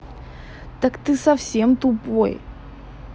так ты совсем тупой